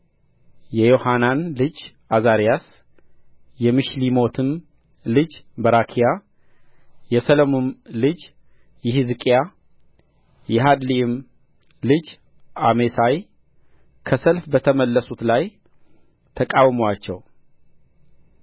የዮሐናን ልጅ ዓዛርያስ የምሺሌሞትም ልጅ በራክያ የሰሎምም ልጅ ይሒዝቅያ የሐድላይም ልጅ ዓሜሳይ ከሰልፍ በተመለሱት ላይ ተቃወሙአቸው